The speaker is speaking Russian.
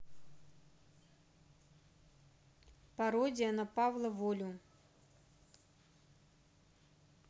пародия на павла волю